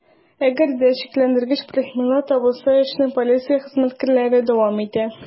Әгәр дә шикләндергеч предметлар табылса, эшне полиция хезмәткәрләре дәвам итә.